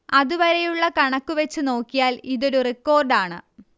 അതുവരെയുള്ള കണക്കു വച്ചു നോക്കിയാൽ ഇതൊരു റിക്കോർഡാണ്